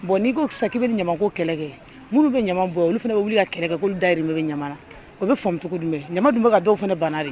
Bon n'i ko sa'i bɛ ni ɲama ko kɛlɛ kɛ minnu bɛ ɲama bɔ olu fana bɛ wuli ka kɛlɛ kɛ dari bɛ ɲama o bɛ faamum cogo dun ɲama dunba ka dɔw fana banna ye